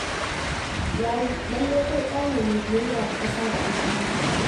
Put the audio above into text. Ya yi, lallai kai ɗa ne mai biyayya ga ƙasa da al'umma.